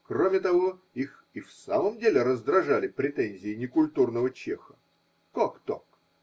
Кроме того, их и в самом деле раздражали претензии некультурного чеха. Как так?